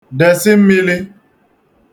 -dèsị mmilī